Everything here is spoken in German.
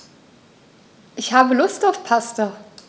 Ich habe Lust auf Pasta.